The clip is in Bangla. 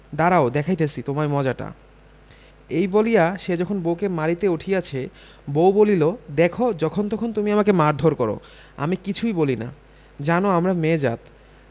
দাঁড়াও দেখাইতেছি তোমায় মজাটা এই বলিয়া সে যখন বউকে মারিতে উঠিয়াছে বউ বলিল দেখ যখনতখন তুমি আমাকে মারধর কর আমি কিছুই বলি না জান আমরা মেয়ে জাত